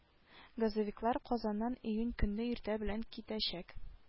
Газовиклар казаннан июнь көнне иртә белән китәчәк